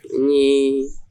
Un